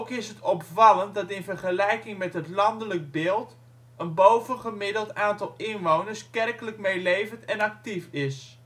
is het opvallend dat in vergelijking met het landelijk beeld een bovengemiddeld aantal inwoners kerkelijk meelevend en actief is